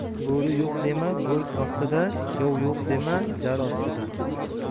bo'ri yo'q dema bo'rk ostida yov yo'q dema jar ostida